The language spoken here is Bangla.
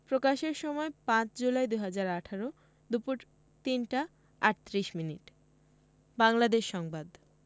প্রকাশের সময় ৫ জুলাই ২০১৮ দুপুর ৩টা ৩৮ মিনিট বাংলাদেশ সংবাদ